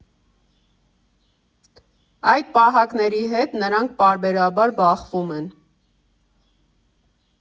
Այդ պահակների հետ նրանք պարբերաբար բախվում են։